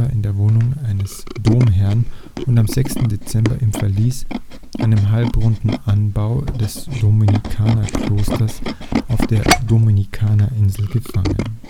in der Wohnung eines Domherrn und am 6. Dezember im Verlies, einem halbrunden Anbau des Dominikanerklosters auf der Dominikanerinsel gefangen